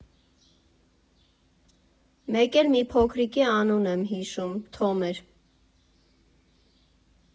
Մեկ էլ մի փոքրիկի անուն եմ հիշում՝ Թոմ էր։